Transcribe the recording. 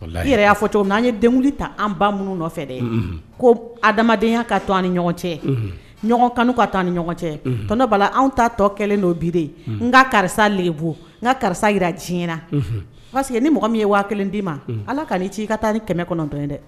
N yɛrɛ y' fɔ cogo min n anan ye denmuso ta an ba minnu nɔfɛ dɛ ko adamadenyaya ka to an ni ɲɔgɔn cɛ kanu ka taa ni ɲɔgɔn cɛ tɔnɔ bala an ta tɔ kɛlen dɔ biri n ka karisa lebo n ka karisa jira ji parceseke ni mɔgɔ min ye waa kelen d'i ma ala ka' ci i ka taa ni kɛmɛ kɔnɔntɔn dɛ